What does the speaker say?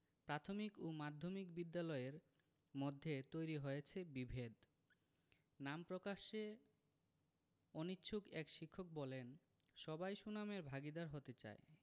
প্রাথমিক ও মাধ্যমিক বিদ্যালয়ের মধ্যে তৈরি হয়েছে বিভেদ নাম প্রকাশে অনিচ্ছুক এক শিক্ষক বলেন সবাই সুনামের ভাগীদার হতে চায়